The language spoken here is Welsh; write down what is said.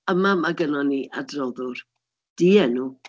Yma ma' gennyn ni adroddwr dienw.